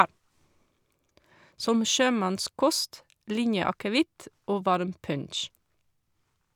Som sjømannskost, linjeakevitt og varm punsj.